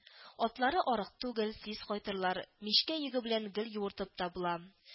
Атлары арык түгел, тиз кайтырлар, мичкә йөге белән гел юыртып та була;